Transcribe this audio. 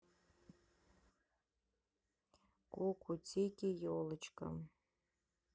кукутики елочка